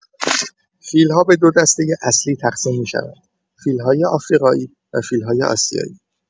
فیل‌ها به دو دسته اصلی تقسیم می‌شوند: فیل‌های آفریقایی و فیل‌های آسیایی.